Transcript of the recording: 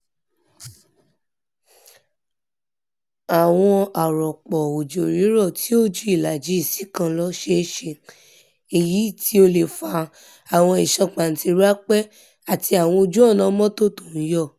Àwọn àrọ̀pọ̀ òjò rírọ̀ tí ó ju ìlàjì íǹsì kan lọ ṣeé ṣe, èyití ó leè fa àwọn ìsàn pàǹtí ráńpẹ́ àti àwọn ojú ọ̀nà mọ́tò tó ńyọ́.